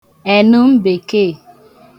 ènụm̀bekeē